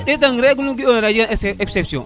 ɗetan regle nu ga ona jegan exeption